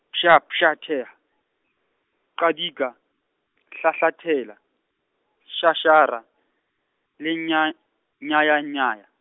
Pjhapjhatheha, qadika, hlahlathela, shashara, le nya nyayanyaya.